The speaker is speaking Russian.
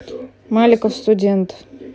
маликов студент